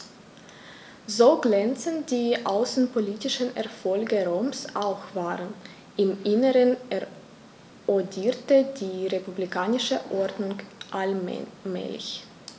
So glänzend die außenpolitischen Erfolge Roms auch waren: Im Inneren erodierte die republikanische Ordnung allmählich.